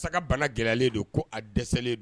Sa ka bana gɛlɛyalen don ko a dɛsɛlen d